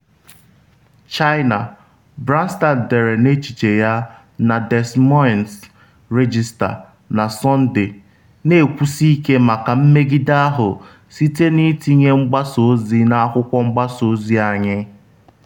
China, Branstad dere n’echiche ya na Des Moines Register na Sọnde, “na-ekwusi ike maka mmegide ahụ site na itinye mgbasa ozi n’akwụkwọ mgbasa ozi anyị.”